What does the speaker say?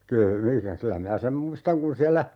- mikä kyllä minä sen muistan kun siellä